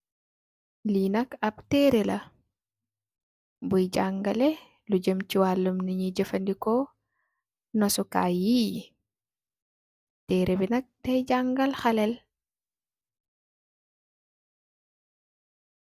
Li nak ap terreh bui jangaleh li jám ci waluum li ñuy jafandiko nasukai yi. Terreh bi nak day jangal xalèh.